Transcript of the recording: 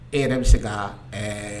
E yɛrɛ bɛ se ka ɛɛ